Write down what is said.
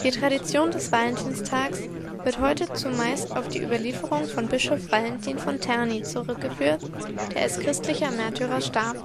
Tradition des Valentinstags wird heute zumeist auf die Überlieferung von Bischof Valentin von Terni zurückgeführt, der als christlicher Märtyrer starb